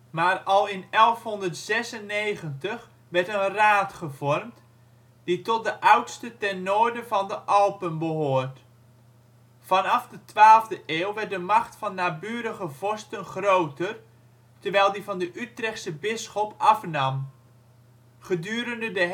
maar al in 1196 werd een Raad gevormd, die tot de oudste ten noorden van de Alpen behoort. Vanaf de twaalfde eeuw werd de macht van naburige vorsten groter, terwijl die van de Utrechtse bisschop afnam. Gedurende